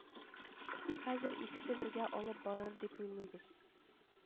-хәзер икесе бергә алып барыр дип улыйбыз